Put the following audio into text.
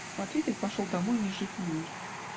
Смотритель пошел домой ни жив ни мертв.